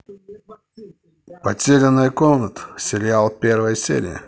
потерянная комната сериал первая серия